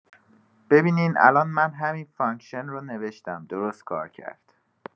ببینین الان من همین فانکشن رو نوشتم درست‌کار کرد.